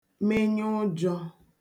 menye ụjọ̄